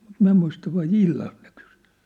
mutta minä muista vai illallako ne kysyi